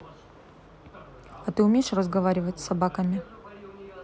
а ты умеешь разговаривать с собаками